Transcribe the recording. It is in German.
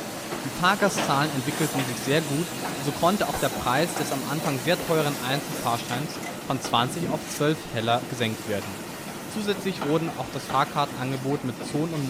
Fahrgastzahlen entwickelten sich sehr gut, und so konnte auch der Preis des am Anfang sehr teuren Einzelfahrscheins von zwanzig auf zwölf Heller gesenkt werden. Zusätzlich wurde auch das Fahrkartenangebot mit Zonen